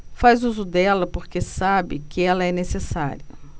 faz uso dela porque sabe que ela é necessária